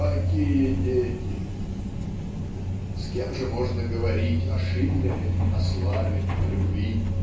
какие дети!" - с кем же можно говорить о Шиллере, о славе, о любви?